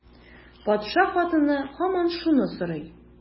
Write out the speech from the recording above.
Патша хатыны һаман шуны сорый.